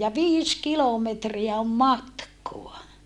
ja viisi kilometriä on matkaa